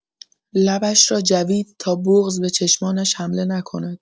لبش را جوید تا بغض به چشمانش حمله نکند.